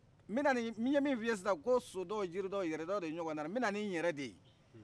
mbɛnani ɲe min f'i ye sisan ko so dɔn jiri dɔn yɛrɛ dɔn de ɲɔgɔn tɛ mbɛna nin yɛrɛ de ye